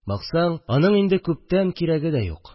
Баксаң, аның инде күптән кирәге дә юк